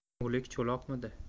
o'lik cho'loqmidi